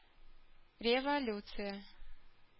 Революция